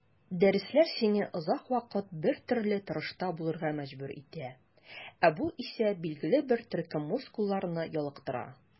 Дәресләр сине озак вакыт бертөрле торышта булырга мәҗбүр итә, ә бу исә билгеле бер төркем мускулларны ялыктыра.